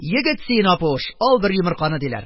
Егет син, Апуш: ал бер йомырканы, диләр.